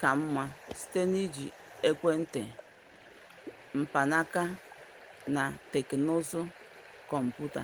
ka mma site n’iji ekwentị mkpanaaka na teknuzu kọmpụta.